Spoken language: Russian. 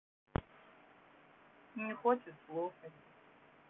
не хочет слушать